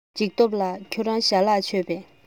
འཇིགས སྟོབས ལགས ཁྱེད རང ཞལ ལག མཆོད པས